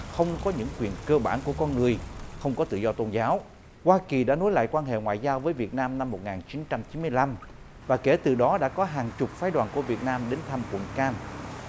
không có những quyền cơ bản của con người không có tự do tôn giáo hoa kỳ đã nối lại quan hệ ngoại giao với việt nam năm một ngàn chín trăm chín mươi lăm và kể từ đó đã có hàng chục phái đoàn của việt nam đến thăm quận cam